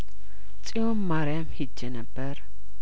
ጺዮን ማሪያም ሂጄ ነበር